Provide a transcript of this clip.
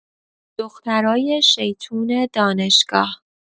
دخترای شیطون دانشگاه